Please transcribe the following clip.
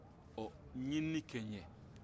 ɔ ɲinini kɛ n ye